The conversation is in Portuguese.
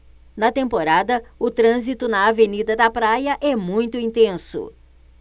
na temporada o trânsito na avenida da praia é muito intenso